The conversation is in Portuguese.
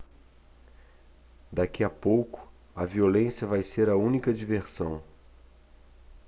daqui a pouco a violência vai ser a única diversão